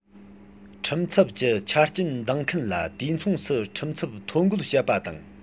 ཁྲིམས ཚབ ཀྱི ཆ རྐྱེན འདང མཁན ལ དུས མཚུངས སུ ཁྲིམས ཚབ ཐོ འགོད བྱེད པ དང